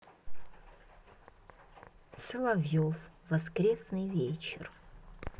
соловьев воскресный вечер